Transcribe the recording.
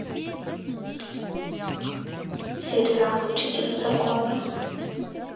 сериал учитель в законе